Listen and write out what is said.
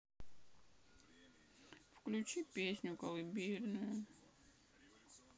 включи песню колыбельную